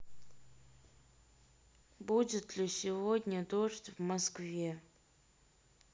будет ли сегодня дождь в москве